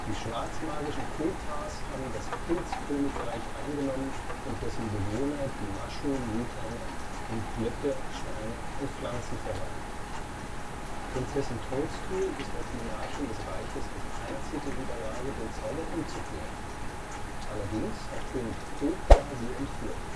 schwarzmagischen Koopas haben das Pilzkönigreich (キノコ王国, kinoko ōkoku, engl. Mushroom Kingdom) eingenommen und dessen Bewohner, die Mushroom Retainer, [A 1] in Blöcke, Steine und Pflanzen verwandelt. Prinzessin Toadstool (ピーチ, Pīchi [A 2]) ist als Monarchin des Reiches als einzige in der Lage, den Zauber umzukehren. Allerdings hat König Koopa [A 3] (クッパ, Kuppa) sie entführt